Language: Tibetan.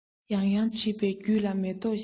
ཡང ཡང འདྲིས པས རྒྱུད ལ མེ ཏོག བཞད